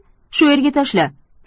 shu yerga tashla